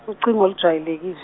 ucingo olujwayelekil-.